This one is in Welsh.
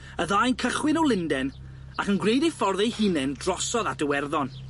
Y ddau'n cychwyn o Lunden ac yn gwneud eu ffordd eu hunen drosodd at Iwerddon.